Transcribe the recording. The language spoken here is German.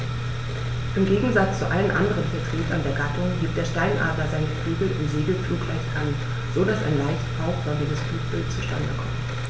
Im Gegensatz zu allen anderen Vertretern der Gattung hebt der Steinadler seine Flügel im Segelflug leicht an, so dass ein leicht V-förmiges Flugbild zustande kommt.